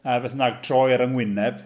A beth bynnag, troi ar 'y ngwyneb.